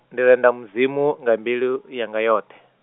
ndi renda Mudzimu nga mbilu, yanga yoṱhe.